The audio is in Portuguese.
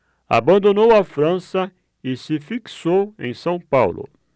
abandonou a frança e se fixou em são paulo